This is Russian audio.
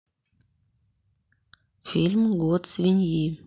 фильм год свиньи